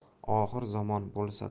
oxir zamon bo'lsa